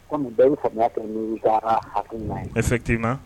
Komi bɛɛ ni sami kɛ taa ha na e t'i ma